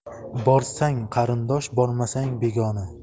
borsang qarindosh bormasang begona